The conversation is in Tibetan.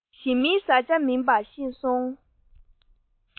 ཞི མིའི བཟའ བྱ མིན པ ཤེས སོང